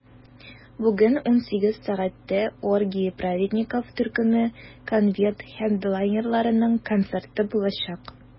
Бүген 18 сәгатьтә "Оргии праведников" төркеме - конвент хедлайнерларының концерты булачак.